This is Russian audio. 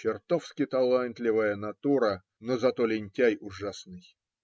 чертовски талантливая натура, но зато лентяй ужасный.